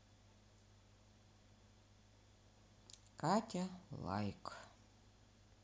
катя лайк